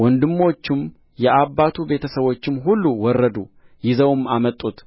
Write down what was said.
ወንድሞቹም የአባቱ ቤተ ሰቦችም ሁሉ ወረዱ ይዘውም አመጡት